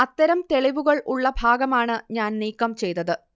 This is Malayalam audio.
അത്തരം തെളിവുകൾ ഉള്ള ഭാഗമാണ് ഞാൻ നീക്കം ചെയ്തത്